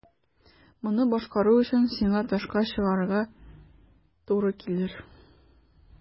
Моны башкару өчен сиңа тышка чыгарга туры килер.